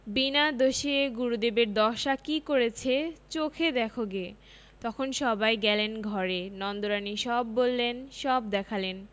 বিনা দোষে গুরুদেবের দশা কি করেছে চোখে দেখোগে তখন সবাই গেলেন ঘরে নন্দরানী সব বললেন সব দেখালেন